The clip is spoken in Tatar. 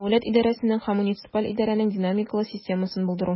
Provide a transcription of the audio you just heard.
Дәүләт идарәсенең һәм муниципаль идарәнең динамикалы системасын булдыру.